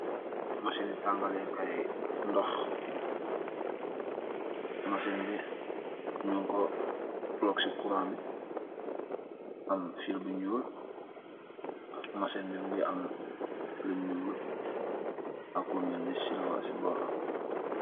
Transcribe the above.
Machine tangaleh kai ndooh, machine bi nyunko plug si kurang am fill bu nyull, machine bi mungi am lu nyull ak lu melni silver si borr 'am.